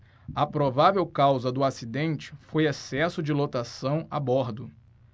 a provável causa do acidente foi excesso de lotação a bordo